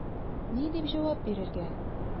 Ни дип җавап бирергә?